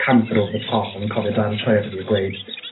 camp and over the top a fi'n cofio dad yn troi ata fi a gweud